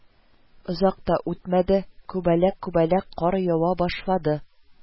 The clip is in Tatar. Озак та үтмәде, күбәләк-күбәләк кар ява башлады